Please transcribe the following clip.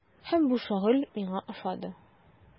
Һәм бу шөгыль миңа ошады.